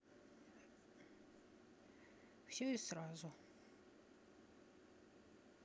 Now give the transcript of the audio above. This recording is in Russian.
все и сразу